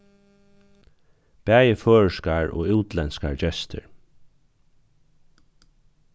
bæði føroyskar og útlendskar gestir